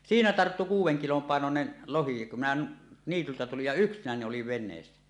siinä tarttui kuuden kilon painoinen lohi kun minä niityltä tulin ja yksinäni olin veneessä